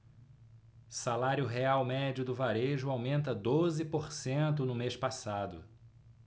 salário real médio do varejo aumenta doze por cento no mês passado